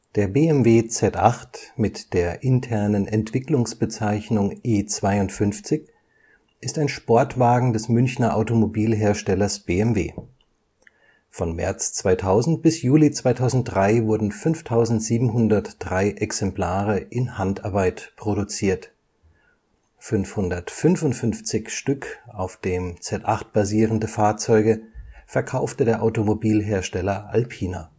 Der BMW Z8 (internes Baumuster E52) ist ein Sportwagen des Münchener Automobilherstellers BMW. Von März 2000 bis Juli 2003 wurden 5703 Exemplare in Handarbeit produziert (555 Stück auf dem Z8 basierende Fahrzeuge verkaufte der Automobilhersteller Alpina